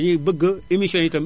dañoo bëgg émission yi itam